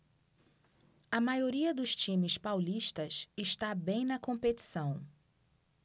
a maioria dos times paulistas está bem na competição